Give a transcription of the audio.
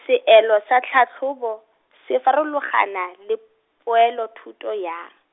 seelo sa tlhatlhobo, se farologana le p-, poelothuto jang.